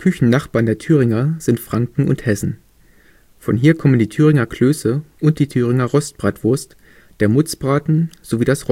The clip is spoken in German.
Küchennachbarn “der Thüringer sind Franken und Hessen. Von hier kommen die Thüringer Klöße und die Thüringer Rostbratwurst, der Mutzbraten, sowie das